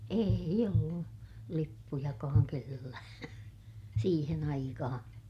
ei ollut lippujakaan kenelläkään siihen aikaan